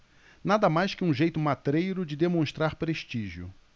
nada mais que um jeito matreiro de demonstrar prestígio